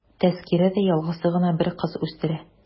Тәзкирә дә ялгызы гына бер кыз үстерә.